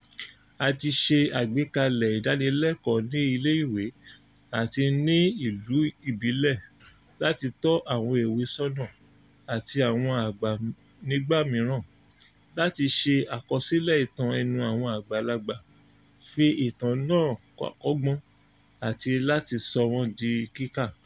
A ti ṣe àgbékalẹ̀ ìdánilẹ́kọ̀ọ́ ní ilé-ìwé àti ní ìlú ìbílẹ̀ láti tọ́ àwọn èwe sọ́nà, àti àwọn àgbà nígbà mìíràn, láti ṣe àkọsílẹ̀ ìtàn ẹnu àwọn àgbàlagbà, fi ìtàn náà kọ́gbọ́n, àti láti sọ wọ́n di kíkà.